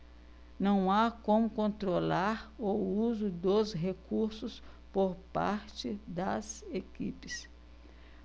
não há como controlar o uso dos recursos por parte das equipes